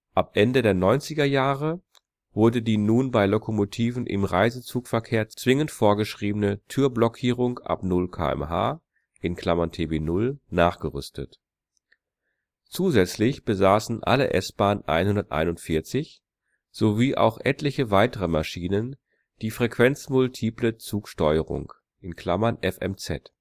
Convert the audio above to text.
Ab Ende der 90er Jahre wurde die nun bei Lokomotiven im Reisezugverkehr zwingend vorgeschriebene Türblockierung ab 0 km/h (TB0) nachgerüstet. Zusätzlich besaßen alle S-Bahn-141 - sowie auch etliche weitere Maschinen die frequenzmultiple Zugsteuerung (FMZ